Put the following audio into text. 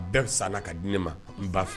A bɛɛ san ka di ne ma n ba